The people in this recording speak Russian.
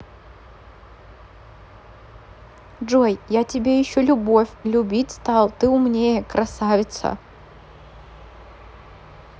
джой я тебе еще любовь любить стал ты умнее красавица